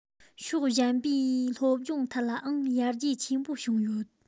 ཕྱོགས གཞན པའི སློབ སྦྱོང ཐད ལའང ཡར རྒྱས ཆེན པོ བྱུང ཡོད